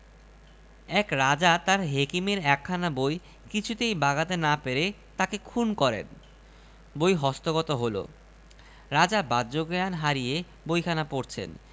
এক রাজা তাঁর হেকিমের একখানা বই কিছুতেই বাগাতে না পেরে তাঁকে খুন করেন বই হস্তগত হল রাজা বাহ্যজ্ঞান হারিয়ে বইখানা পড়ছেন